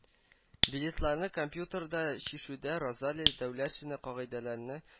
Билетларны компьютерда чишүдә Розалия Дәүләтшина кагыйдәләрне